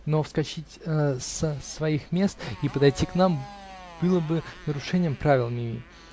но вскочить с своих мест и подойти к нам было бы нарушением правил Мими.